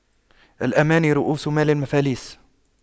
الأماني رءوس مال المفاليس